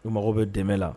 U mako bɛ dɛmɛ la